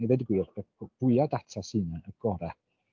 I ddeud y gwir y y fwyaf o data sy 'na y gorau.